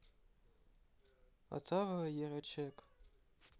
отава е рачек